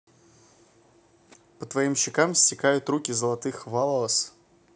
по твоим щекам стекают руки золотых волос